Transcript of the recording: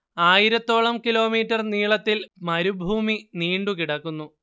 ആയിരത്തോളം കിലോമീറ്റർ നീളത്തിൽ മരുഭൂമി നീണ്ടു കിടക്കുന്നു